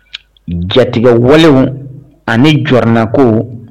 Jatigiwale ani jɔinako